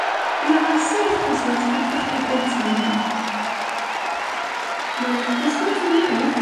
I addasu 'ych Quizlet cliciwch Edit fan hyn. Mae Quizlet Live